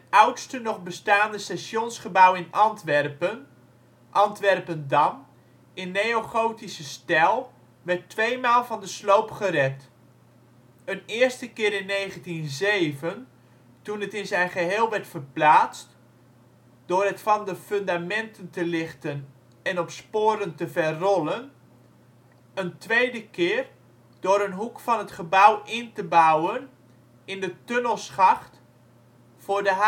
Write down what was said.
oudste nog bestaande stationsgebouw in Antwerpen (Antwerpen-Dam) in neogotische stijl werd tweemaal van de sloop gered. Een eerste keer in 1907, toen het in zijn geheel werd verplaatst (door het van de fundamenten te lichten en op sporen te verrollen), een tweede keer door een hoek van het gebouw in te bouwen in de tunnelschacht voor de